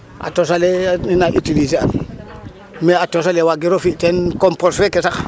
a tos ale i naa utiliser an mais a tos ale waagiro fi' teen compos feeke sax.